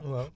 waaw